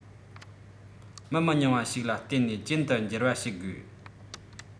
མི མི ཉུང བ ཞིག ལ བརྟེན ནས ཅན དུ འགྱུར བ བྱེད དགོས